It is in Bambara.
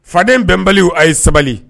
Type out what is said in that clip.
Faden bɛnbaliw a ye sabali